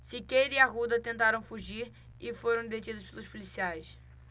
siqueira e arruda tentaram fugir e foram detidos pelos policiais